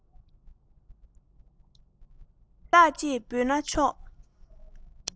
སྦྱིན བདག ཅེས འབོད ན ཆོག